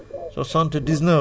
80